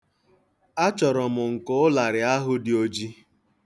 Achọrọ m nke ụlarị ahụ dị oji.